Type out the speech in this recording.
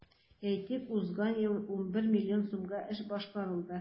Әйтик, узган ел 11 миллион сумга эш башкарылды.